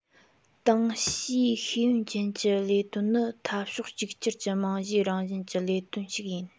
ཏང ཕྱིའི ཤེས ཡོན ཅན གྱི ལས དོན ནི འཐབ ཕྱོགས གཅིག གྱུར གྱི རྨང གཞིའི རང བཞིན གྱི ལས དོན ཞིག ཡིན